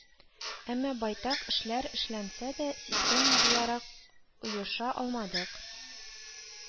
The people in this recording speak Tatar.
Әмма байтак эшләр эшләнсә дә, система буларак ойыша алмадык